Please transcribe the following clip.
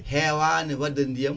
hewani wadde ndiyam